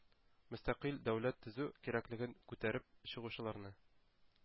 Мөстәкыйль дәүләт төзү кирәклеген күтәреп чыгучыларны